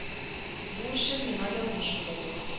Бу эшем миңа язмыш бүләге